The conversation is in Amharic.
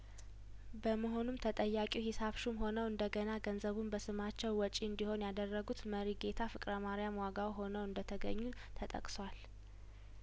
በመሆኑም ተጠያቂው ሂሳብ ሹም ሆነው እንደገና ገንዘቡን በስማቸው ወጪ እንዲሆን ያደረጉት መሪጌታ ፍቅረ ማርያም ዋጋው ሆነው እንደተገኙ ተጠቅሷል